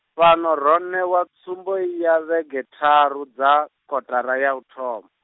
fhano ro ṋea tsumbo ya vhege tharu dza, kotara ya u thom-.